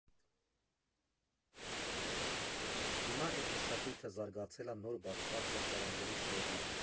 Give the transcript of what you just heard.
Հիմա էդ մշակույթը զարգացել ա նոր բացված սրճարանների շնորհիվ։